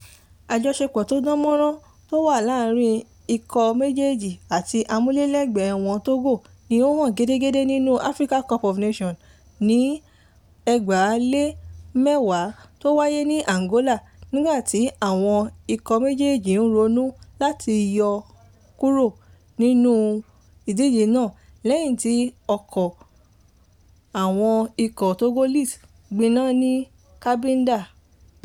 Àjọsepọ̀ tó dán mọ́rán tó wà láàárìn ikọ̀ méjéèjì àtí amúlélẹ́gbẹ̀ẹ́ wọn Togo ni ó hàn gédégédé níbi African Cup of Nations ní 2010 tó wáyé ní Angola nígbà tí àwọn ikọ̀ méjéèjì ń ròó láti yọ kúró nínú ìdíje náà lẹ́yìn tí ọkọ̀ àwọn ikọ̀ Togolese gbiná ni Cabinda.